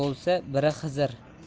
bo'lsa biri xizir